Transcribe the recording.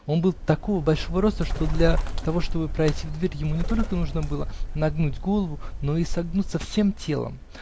Он был такого большого роста, что для того, чтобы пройти в дверь, ему не только нужно было нагнуть голову, но и согнуться всем телом.